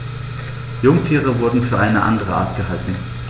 Jungtiere wurden für eine andere Art gehalten.